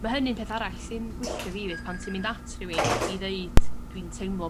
ma' hynny'n peth arall sy'n gwylltio fi 'fyd pan ti'n mynd at rhywun i ddeud dwi'n teimlo